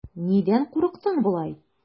Нидән курыктың болай?